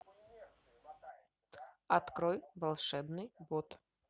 открой волшебный бот